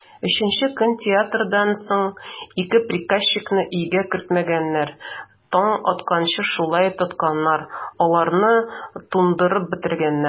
Өченче көн театрдан соң ике приказчикны өйгә кертмәгәннәр, таң атканчы шулай тотканнар, аларны туңдырып бетергәннәр.